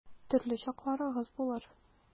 Төрле чакларыгыз булыр.